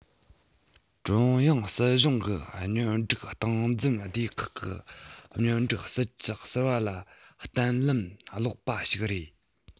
ཀྲུང དབྱང སྲིད གཞུང གི སྙོམས སྒྲིག སྟངས འཛིན སྡེ ཁག གིས སྙོམས སྒྲིག སྲིད ཇུས གསར པ ལ གཏམ ལན སློག པ ཞིག རེད